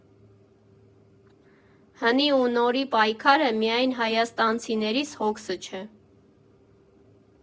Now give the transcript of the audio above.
Հնի ու նորի պայքարը միայն հայաստանցիներիս հոգսը չէ։